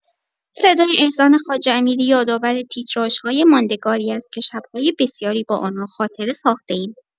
صدای احسان خواجه‌امیری یادآور تیتراژهای ماندگاری است که شب‌های بسیاری با آن‌ها خاطره ساخته‌ایم.